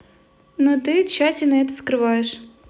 но ты тщательно это скрываешь